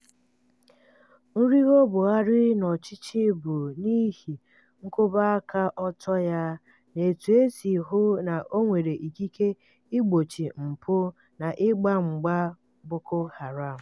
Nrigo Buhari n'ọchịchị bụ n'ihi nkwụbaakaọtọ ya na etu e si hụ na o nwere ikike igbochi mpụ na ịgba mgba Boko Haram.